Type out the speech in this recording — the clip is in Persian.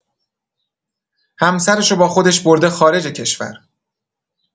همسرش و با خودش برده خارج کشور